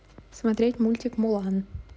смотреть мультик мулан